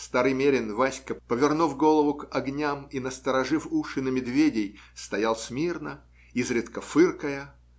старый мерин Васька, повернув голову к огням и насторожив уши на медведей, стоял смирно, изредка фыркая